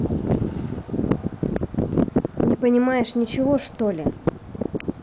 непонимаешь ничего что ли